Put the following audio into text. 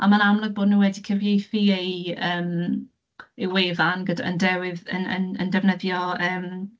A mae'n amlwg bod nhw wedi cyfieithu eu, yym, eu wefan gyd- yn dewydd yn yn defnyddio, yym...